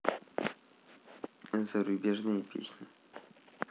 зарубежные песни